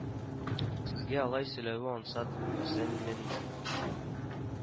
Сезгә алай сөйләве ансат, Сэм Мэнли